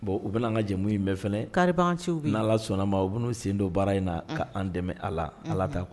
Bon u bɛna an ka jɛmu in bɛɛ fɛ karibanci na sɔnnama u bɛ sen don baara in na'an dɛmɛ ala ala'